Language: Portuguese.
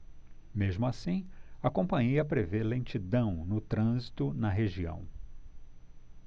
mesmo assim a companhia prevê lentidão no trânsito na região